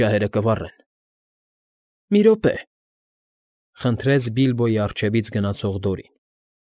Ջահերը կվառեն։ ֊ Մի րոպե,֊ խնդրեց Բիլբոյի առջևից գնացող Դորին։